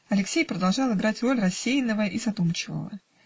Алексей продолжал играть роль рассеянного и задумчивого.